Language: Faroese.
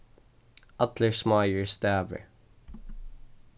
allir smáir stavir